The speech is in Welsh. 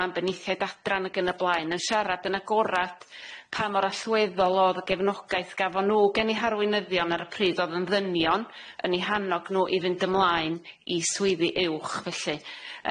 ma'n benithiaid adran ag yn y blaen yn siarad yn agorad pa mor allweddol o'dd y gefnogaeth gafon nw geni harweinyddion ar y pryd o'dd yn ddynion yn eu hannog nw i fynd ymlaen i swyddi uwch felly,